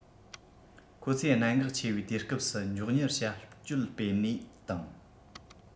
ཁོ ཚོས གནད འགག ཆེ བའི དུས སྐབས སུ མགྱོགས མྱུར བྱ སྤྱོད སྤེལ ནས དང